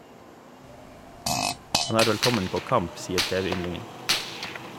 Han er velkommen på kamp, sier tv-yndlingen.